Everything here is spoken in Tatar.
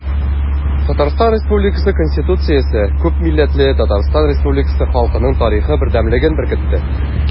Татарстан Республикасы Конституциясе күпмилләтле Татарстан Республикасы халкының тарихы бердәмлеген беркетте.